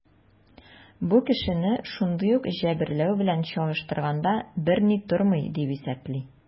Бу кешене шундый ук җәберләү белән чагыштырганда берни тормый, дип исәпли.